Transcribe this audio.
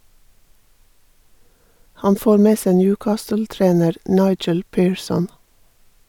Han får med seg Newcastle-trener Nigel Pearson.